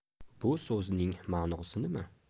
bu so'zning ma'nosi nima